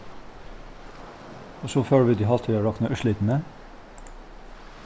og so fóru vit í holt við at rokna úrslitini